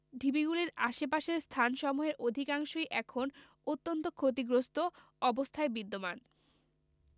ঢিবিগুলির আশে পাশের স্থানসমূহের অধিকাংশই এখন অত্যন্ত ক্ষতিগ্রস্ত অবস্থায় বিদ্যমান